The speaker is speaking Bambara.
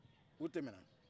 u temɛna